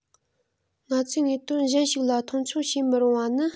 ང ཚོས དངོས དོན གཞན ཞིག ལ མཐོང ཆུང བྱེད མི རུང བ ནི